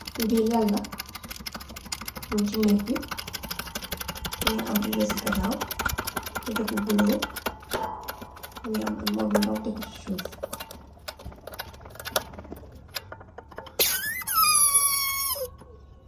Bi lal la, mung chi neeg bi, mungi am redo ci ganaaw. Redo bu bulo, mungi am almoor bu ndaw tegu ci suuf.